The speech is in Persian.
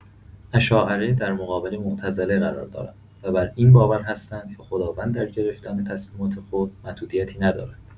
اشاعره در مقابل معتزله قرار دارند و بر این باور هستند که خداوند درگرفتن تصمیمات خود محدودیتی ندارد.